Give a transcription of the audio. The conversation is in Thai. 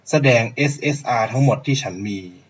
แสดงเอสเอสอาทั้งหมดที่ฉันมี